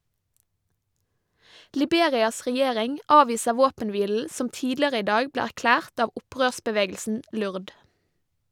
Liberias regjering avviser våpenhvilen som tidligere i dag ble erklært av opprørsbevegelsen LURD.